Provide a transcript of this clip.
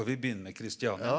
skal vi begynne med Christiania?